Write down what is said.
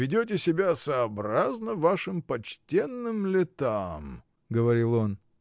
ведете себя сообразно вашим почтенным летам. — говорил он.